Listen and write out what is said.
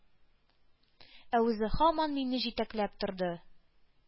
Ә үзе һаман мине җитәкләп торды.